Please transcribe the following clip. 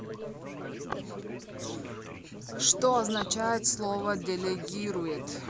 что означает слово делегирует